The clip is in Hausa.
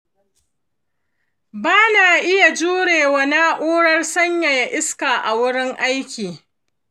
ba na iya jure wa na’urar sanyaya iska a wurin aiki.